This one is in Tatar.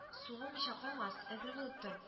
Сугылмыйча калмас, әзер булып тор